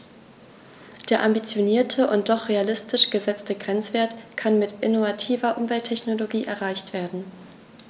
Der ambitionierte und doch realistisch gesetzte Grenzwert kann mit innovativer Umwelttechnologie erreicht werden.